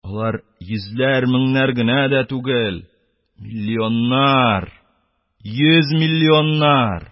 Алар йөзләр, меңнәр генә дә түгел, - миллионнар, йөз миллионнар..